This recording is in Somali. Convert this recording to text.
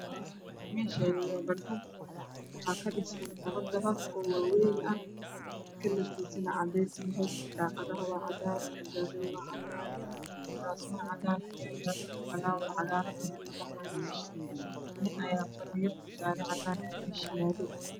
Meeshaan waa barxad waxaa kadhisan labo dabaq oo waaweyn kalarkiisuna cadeys yahay. Daaqadaha waa cadaan albaabkuna waa cadaan. Kuraasman cadaan ah ayaa yaalo falaawar cagaaran ayaa kabaxaayo. Nin ayaa fadhiyo gaarina meesha ayuu yaalaa.